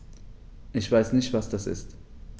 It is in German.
Ich weiß nicht, was das ist.